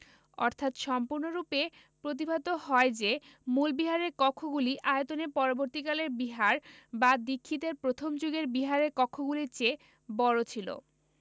অর্থাৎ সম্পূর্ণরূপে প্রতিভাত হয় যে মূল বিহারের কক্ষগুলি আয়তনে পরবর্তী কালের বিহার বা দীক্ষিতের প্রথম যুগের বিহারের কক্ষগুলির চেয়ে বড় ছিল